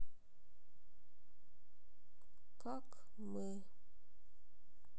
как мы